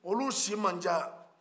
olu si ma can